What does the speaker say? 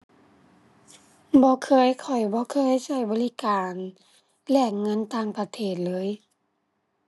บ่เคย ข้อยบ่เคยใช้บริการแลกเงินต่างประเทศเลย